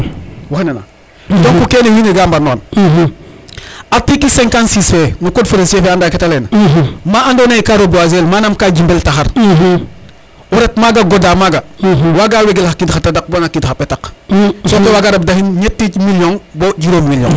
waxey nana donc kene wiin we ga mbarno and article cinquante six fe no code forestier fe anda kete leyna ma ando naye ka reboiser el manam ka jimbel taxar o ret maga goda maga waga wegel xa qiid xa tadaq bona xa qid xa etak sokoy waga rabda xin ñeti million bo juromi million